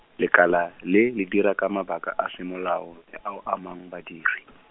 lekala, le le dira ka mabaka a semolao, le ao a amang badiri .